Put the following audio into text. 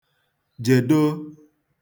jèdoo